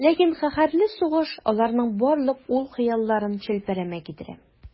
Ләкин каһәрле сугыш аларның барлык уй-хыялларын челпәрәмә китерә.